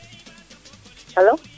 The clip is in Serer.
Alo